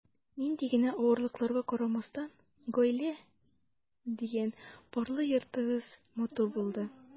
Нинди генә авырлыкларга карамастан, “гаилә” дигән парлы йортыгыз матур булды.